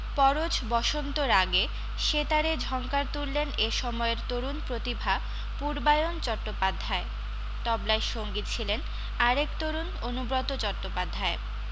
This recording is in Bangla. পরজ বসন্ত রাগে সেতারে ঝংকার তুললেন এ সময়ের তরুণ প্রতিভা পূর্বায়ন চট্টোপাধ্যায় তবলায় সঙ্গী ছিলেন আর এক তরুণ অনুব্রত চট্টোপাধ্যায়